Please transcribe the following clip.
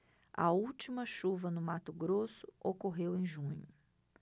a última chuva no mato grosso ocorreu em junho